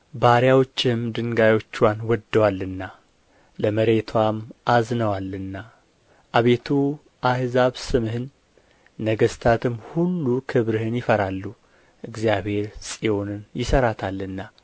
ባሪያዎችህም ድንጋዮችዋን ወድደዋልና ለመሬትዋም አዝነዋልና አቤቱ አሕዛብ ስምህን ነገሥታትም ሁሉ ክብርህን ይፈራሉ እግዚአብሔር ጽዮንን ይሠራታልና